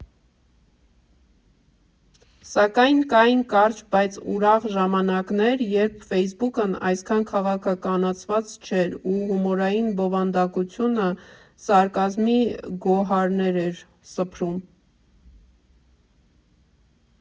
Սակայն կային կարճ, բայց ուրախ ժամանակներ, երբ ֆեյսբուքն այսքան քաղաքականացված չէր ու հումորային բովանդակությունը սարկազմի գոհարներ էր սփռում։